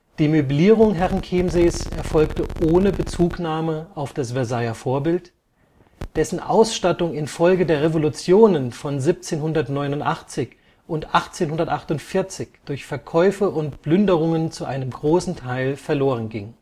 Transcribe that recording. Die Möblierung Herrenchiemsees erfolgte ohne Bezugnahme auf das Versailler Vorbild, dessen Ausstattung infolge der Revolutionen von 1789 und 1848 durch Verkäufe und Plünderungen zu einem großen Teil verloren ging